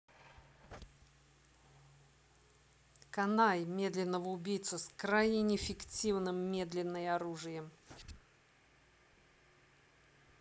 kanye медленного убийцу с крайне неэффективным медленное оружием